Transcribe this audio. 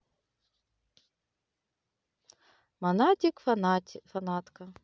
монатик фанатка